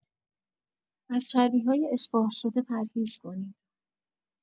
از چربی‌های اشباع‌شده پرهیز کنید.